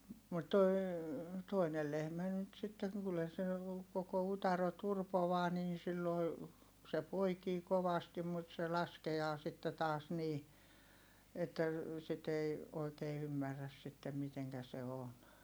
mutta toi toinen lehmä nyt sitten kyllä se koko utare turpoaa niin silloin se poikii kovasti mutta se laskee sitten taas niin että sitä ei oikein ymmärrä sitten miten se on